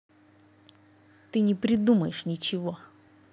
ты не придумаешь ничего